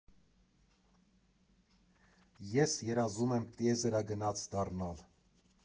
Ես երազում եմ տիեզերագնաց դառնալ։